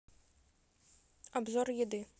обзор еды